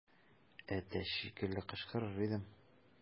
Әтәч шикелле кычкырыр идем.